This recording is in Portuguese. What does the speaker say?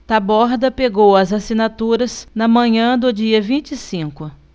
taborda pegou as assinaturas na manhã do dia vinte e cinco